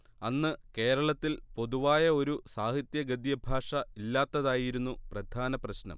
അന്ന് കേരളത്തിൽ പൊതുവായ ഒരു സാഹിത്യ ഗദ്യഭാഷ ഇല്ലാത്തതായിരുന്നു പ്രധാന പ്രശ്നം